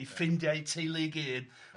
eu ffrindiau, eu teulu i gyd